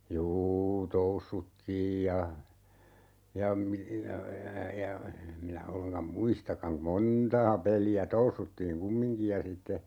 juu toussuttiin ja ja - ja ja minä ollenkaan muistakaan - montaa peliä toussuttiin kumminkin ja sitten